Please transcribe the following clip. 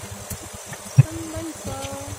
Dem dansa og...